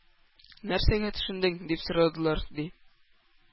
— нәрсәгә төшендең? — дип сорадылар, ди.